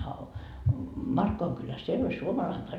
a - Markkovan kylässä siellä oli suomalainen paimen